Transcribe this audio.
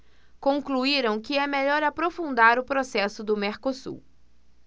concluíram que é melhor aprofundar o processo do mercosul